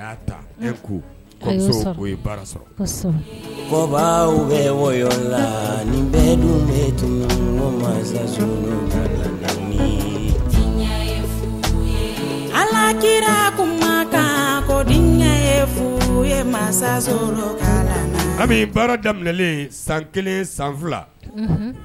Sɔrɔ baba bɛ wɔ la nin bɛɛ dun bɛ dunun masa f ye ala kirara kuma ka ko diinɛ f ye mansa kalan an bɛ baara daminɛ san kelen san fila